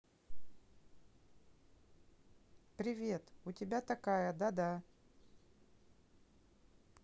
привет у тебя такая да да